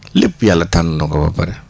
lépp yàlla tànn na ko ba pare